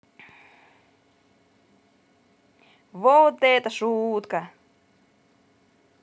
вот это шутка